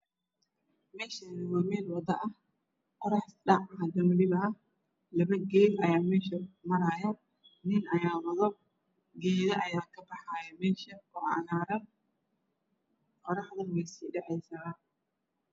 Meeshani waa meel wado ah labo geed ayaa measha meesh maraayo wiil ayaa wado geedo ayay ka baxaayo oo cagaran qoraxdana way sii dhacaysaa